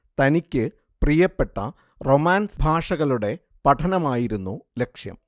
തനിക്ക് പ്രിയപ്പെട്ട റൊമാൻസ് ഭാഷകളുടെ പഠനമായിരുന്നു ലക്ഷ്യം